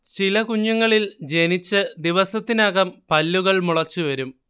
ചില കുഞ്ഞുങ്ങളിൽ ജനിച്ച് ദിവസത്തിനകം പല്ലുകൾ മുളച്ചുവരും